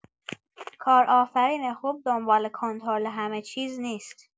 کارآفرین خوب دنبال کنترل همه‌چیز نیست؛